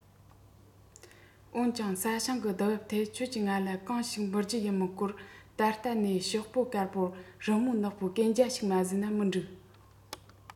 འོན ཀྱང ས ཞིང གི བསྡུ འབབ ཐད ཁྱེད ཀྱི ང ལ གང ཞིག འབུལ རྒྱུ ཡིན མིན སྐོར ད ལྟ ནས ཤོག པོ དཀར པོར རི མོ ནག པོའི གན རྒྱ ཞིག མ བཟོས ན མི འགྲིག